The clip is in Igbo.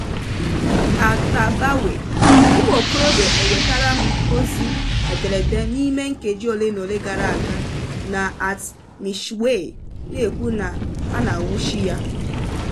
@3arabawy: Ụmụ okorobịa, enwetara m ozi ederede n'ime nkeji olenaole gara aga na @msheshtawy na-ekwu na a na-anuwchi ya.